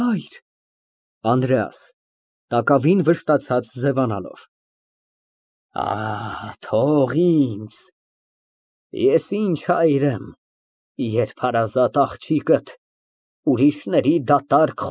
Հայր… ԱՆԴՐԵԱՍ ֊ (Տակավին վշտացած ձևանալով) Ահ, թող ինձ, ես ինչ հայր եմ, երբ հարազատ աղջիկս, ուրիշների դատարկ։